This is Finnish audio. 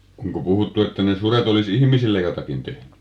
onko puhuttu että ne sudet olisi ihmisille jotakin tehnyt